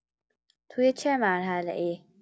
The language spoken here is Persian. توی چه مرحله‌ای؟